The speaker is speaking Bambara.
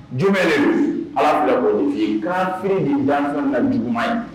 Jumɛn de ala fila ofin kafi de dan na juguman ye